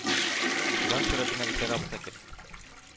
Җан сурәтенә ишарә булса кирәк...